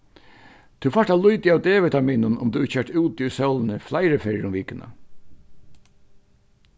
tú fært ov lítið av d-vitaminum um tú ikki ert úti í sólini fleiri ferðir um vikuna